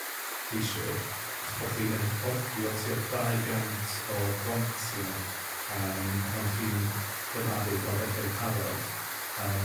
lleisiwr, a'ch bo' chi'n recordio tua dau gant o bromptia yym ohonach chi'n lleferu brawddegau parod, yym